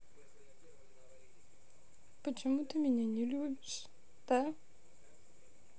почему ты меня не любишь да